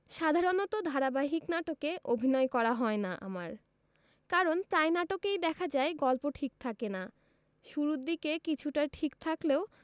সাধারণত ধারাবাহিক নাটকে অভিনয় করা হয় না আমার কারণ প্রায় নাটকেই দেখা যায় গল্প ঠিক থাকে না শুরুর দিকে কিছুটা ঠিক থাকলেও